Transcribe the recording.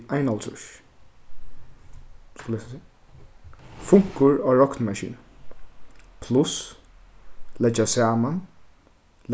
einoghálvtrýss skulu vit lesa hesa her funkur á roknimaskinu pluss leggja saman